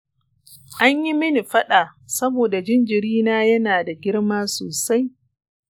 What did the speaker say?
anyi mini fiɗa saboda jinjirina ya na da girma sosai.